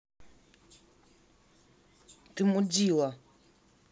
ты мудила